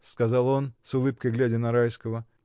— сказал он, с улыбкой глядя на Райского.